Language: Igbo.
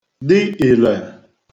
dị ìlè